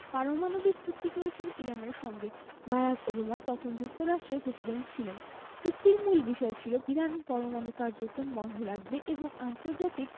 পারমাণবিক চুক্তি করেছিল ইরানের সঙ্গে বারাক ওবামা তখন যুক্তরাষ্ট্রের প্রেসিডেন্ট ছিলেন চুক্তির মূল বিষয় ছিল ইরান পরমাণু কার্যক্রম বন্ধ রাখবে এবং আন্তর্জাতিক